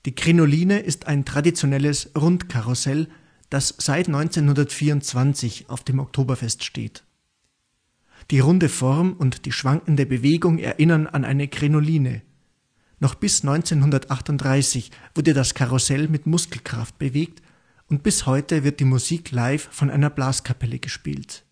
Krinoline ist ein traditionelles Rundkarussell, das seit 1924 auf dem Oktoberfest steht. Die runde Form und die schwankende Bewegung erinnern an eine Krinoline. Noch bis 1938 wurde das Karussell mit Muskelkraft bewegt und bis heute wird die Musik live von einer Blaskapelle gespielt